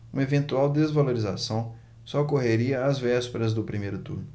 uma eventual desvalorização só ocorreria às vésperas do primeiro turno